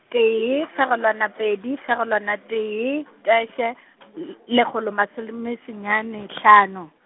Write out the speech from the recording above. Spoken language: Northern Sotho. tee, fegelwana pedi, fegelwana tee ,, l- l- lekgolo maso lome senyane hlano.